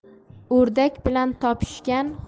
o'rdak bilan topishgan